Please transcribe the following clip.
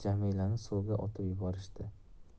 suvga otib yuborishdi